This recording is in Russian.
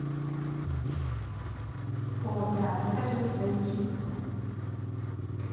о да покажи свою киску